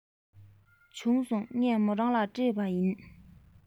བྱུང སོང ངས མོ རང ལ སྤྲད པ ཡིན